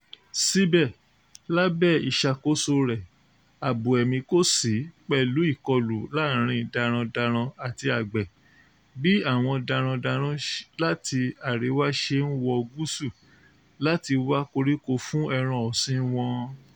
Síbẹ̀, lábẹ́ ìṣàkóso rẹ̀, ààbò ẹ̀mí kò sí pẹ̀lú ìkọlù láàárín darandaran àti àgbẹ̀ bí àwọn darandaran láti àríwá ṣe ń wọ gúúsù láti wá koríko fún ẹran ọ̀sìn-in wọn.